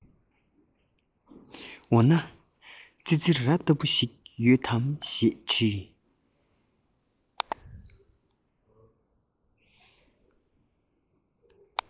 འོ ན ཙི ཙི ར ལྟ བུ ཞིག ཡོད དམ ཞེས དྲིས